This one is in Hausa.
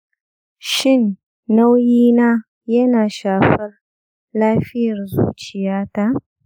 shin nauyina yana shafar lafiyar zuciyata?